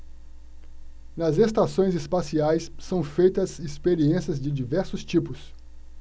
nas estações espaciais são feitas experiências de diversos tipos